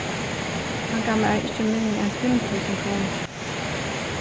hann gav mær ikki minni enn fimm túsund krónur